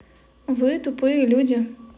вы тупые люди